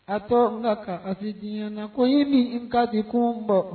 A to n ka kasi diyɛn na ko in bɛ n kasi kun bɔ